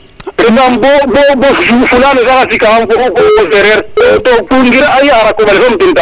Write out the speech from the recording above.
retam bo fulane we sax a sika xam fo o sereer to ngir i ara koɓale soom ten taxu